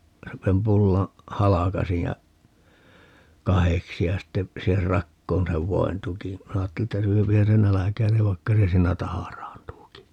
sen pullan halkaisin ja kahdeksi ja sitten siihen rakoon sen voin tukin minä ajattelin että syöhän se nälkäinen vaikka se siinä tahraantuukin